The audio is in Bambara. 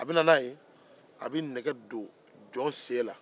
a be nɛgɛ don jon sen na